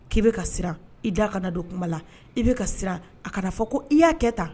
K'i bɛ ka siran i da kana don kuma la i bɛ ka a kana fɔ ko i y'a kɛ tan